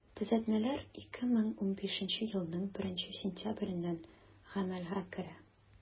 Төзәтмәләр 2015 елның 1 сентябреннән гамәлгә керә.